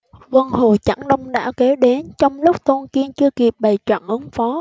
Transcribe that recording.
quân hồ chẩn đông đảo kéo đến trong lúc tôn kiên chưa kịp bày trận ứng phó